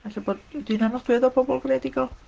Falle bod... ydy hynna'n nodwedd o bobl greadigol?